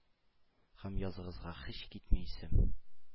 Һәм языгызга һич китми исем,